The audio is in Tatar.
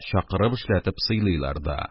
Чакырып эшләтеп, сыйлыйлар да.